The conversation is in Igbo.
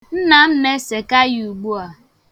Nna m na-eseka ya ugbua.